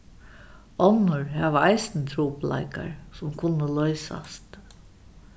onnur hava eisini trupulleikar sum kunnu loysast